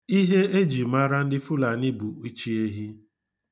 Ihe e ji mara ndị Fulani bụ ịchị ehi.